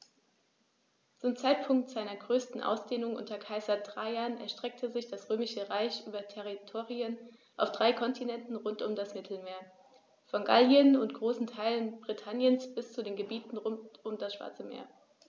Zum Zeitpunkt seiner größten Ausdehnung unter Kaiser Trajan erstreckte sich das Römische Reich über Territorien auf drei Kontinenten rund um das Mittelmeer: Von Gallien und großen Teilen Britanniens bis zu den Gebieten rund um das Schwarze Meer.